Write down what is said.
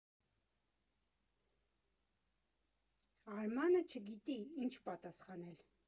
Արմանը չգիտի՝ ինչ պատասխանել։